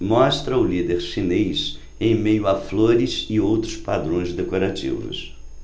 mostra o líder chinês em meio a flores e outros padrões decorativos